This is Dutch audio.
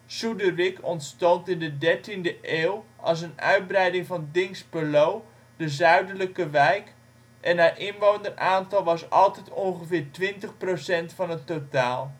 Suderwick ontstond in de dertiende eeuw als een uitbreiding van Dinxperlo (de zuiderlijke wijk) en haar inwoneraantal was altijd ongeveer 20 % van het totaal